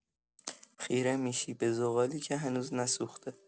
خیره می‌شی به زغالی که هنوز نسوخته.